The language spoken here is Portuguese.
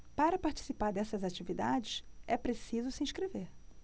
para participar dessas atividades é preciso se inscrever